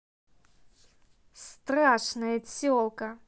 страшная телка